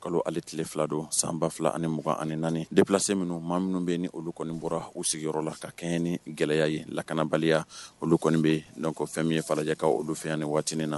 Kalo ale tile fila don sanba fila aniugan ani naani delase minnu maa minnu bɛ ni olu kɔni bɔra u sigiyɔrɔ la ka kɛ ni gɛlɛya ye lakanabaliya olu kɔni bɛ yen n kɔ fɛn min ye falajɛkaw olu fɛ ni waati in na